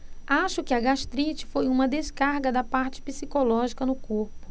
acho que a gastrite foi uma descarga da parte psicológica no corpo